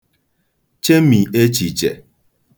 chemì echìchè